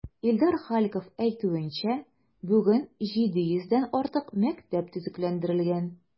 Илдар Халиков әйтүенчә, бүген 700 дән артык мәктәп төзекләндерелгән.